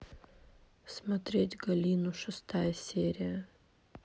смотреть галину шестая серия